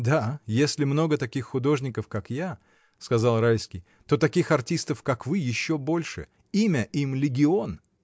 — Да, если много таких художников, как я, — сказал Райский, — то таких артистов, как вы, еще больше: имя им легион!